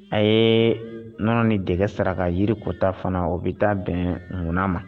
A ye nɔnɔ ni dɛsɛgɛ saraka yirikota fana o bɛ taa bɛn mun ma